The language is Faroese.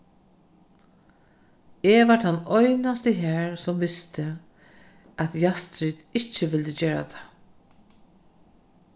eg var tann einasti har sum visti at jastrid ikki vildi gera tað